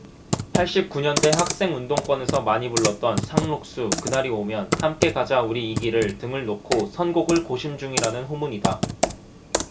팔십 구십 년대 학생운동권에서 많이 불렸던 상록수 그날이 오면 함께 가자 우리 이 길을 등을 놓고 선곡을 고심 중이라는 후문이다